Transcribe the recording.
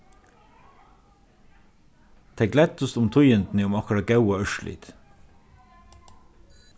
tey gleddust um tíðindini um okkara góða úrslit